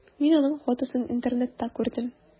Мин аның фотосын интернетта күрдем.